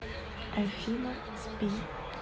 афина спи